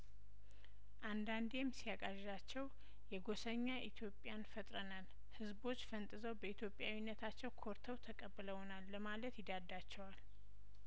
አንዳንዴም ሲያቃዣቸው የጐሰኛ ኢትዮጵያን ፈጥረናል ህዝቦች ፈንጥዘው በኢትዮጵያዊነታቸው ኮርተው ተቀብለውናል ለማለት ይዳዳቸዋል